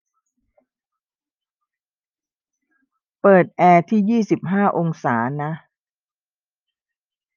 เปิดแอร์ที่ยี่สิบห้าองศานะ